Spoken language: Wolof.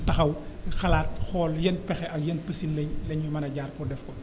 taxaw xalaat xool yan pexe ak yan piste lay la ñuy mën a jaar pour def ko